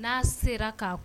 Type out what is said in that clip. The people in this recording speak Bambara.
N'a sera k'a